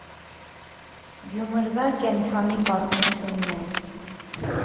Գյումրվա կենդանի պատմություններ։